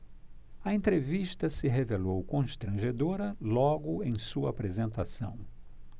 a entrevista se revelou constrangedora logo em sua apresentação